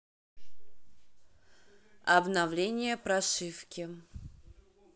обновление прошивки